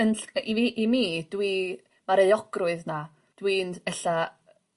...yn ll- i fi i mi dwi â'r euogrwydd 'na dwi'n ella